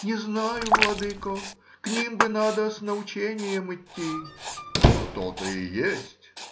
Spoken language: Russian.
— Не знаю, владыко; к ним бы надо с научением идти. — То-то и есть.